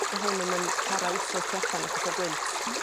'tha hwn 'im yn para wsos tu allan achos o'r gwynt...